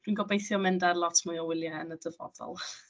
Fi'n gobeithio mynd ar lot mwy o wyliau yn y dyfodol.